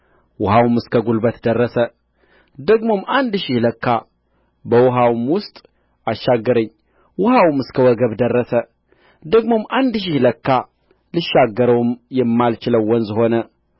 ውኃውም እስከ ጕልበት ደረሰ ደግሞም አንድ ሺህ ለካ በውኃውም ውስጥ አሻገረኝ ውኃውም እስከ ወገብ ደረሰ ደግሞ አንድ ሺህ ለካ ልሻገረውም የማልችለው ወንዝ ሆነ